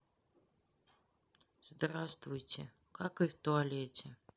здравствуйте какай в туалете